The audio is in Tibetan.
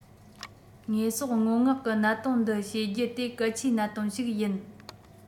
དངོས ཟོག སྔོན མངག གི གནད དོན འདི བྱེད རྒྱུ དེ གལ ཆེའི གནད དོན ཞིག ཡིན